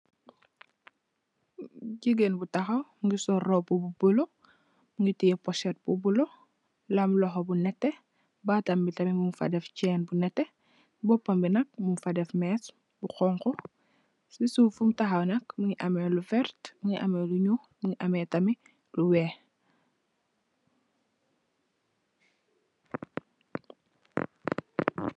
Gigain bu takhaw mungy sol rohbu bu bleu, mungy tiyeh porset bu bleu, lahmm lokhor bu nehteh, baatam bi tamit mung fa deff chaine bu nehteh, bopam bii nak mung fa def meeche bu honhu, cii suff fum takhaw nak mungy ameh lu vertue, mungy ameh lu njull, mungy ameh tamit lu wekh.